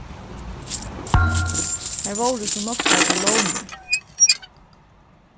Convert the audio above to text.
har vóru so nógvar ballónir